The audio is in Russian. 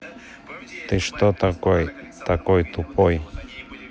ты что такой такой тупой